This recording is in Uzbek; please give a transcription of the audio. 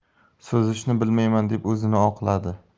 suzishni bilmayman deb o'zini oqladi